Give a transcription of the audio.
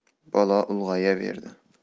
bola ulg'ayaverdi